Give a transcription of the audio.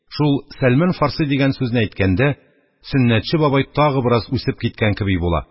Шул «Сәлман Фарси» дигән сүзне әйткәндә, Сөннәтче бабай тагы бераз үсеп киткән кеби була,